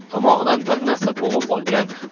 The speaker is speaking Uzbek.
tomog'idan bir narsa bo'g'ib olgan